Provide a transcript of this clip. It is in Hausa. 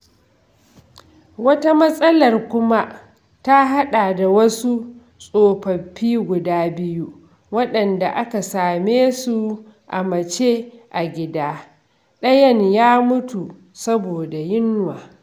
Wata matsalar kuma ta haɗa da wasu tsofaffi guda biyu waɗanda aka same su a mace a gida, ɗayan ya mutu saboda yunwa.